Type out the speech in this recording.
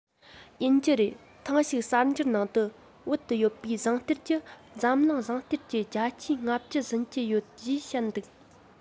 ཡིན གྱི རེད ཐེངས ཤིག གསར འགྱུར ནང དུ བོད དུ ཡོད པའི ཟངས གཏེར གྱིས འཛམ གླིང ཟངས གཏེར གྱི བརྒྱ ཆ ལྔ བཅུ ཟིན གྱི ཡོད ཞེས བཤད འདུག